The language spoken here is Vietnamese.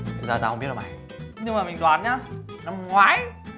ra tao không biết đâu mày nhưng mà mình đoán nhá năm ngoái